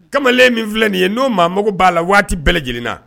Kamalen min filɛ nin ye n'o maa mago b'a la waati bɛɛ lajɛlenna